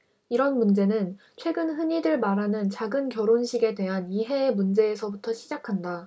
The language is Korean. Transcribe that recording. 이런 문제는 최근 흔히들 말하는 작은 결혼식에 대한 이해의 문제에서부터 시작한다